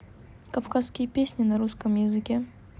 кавказские песни на русском языке год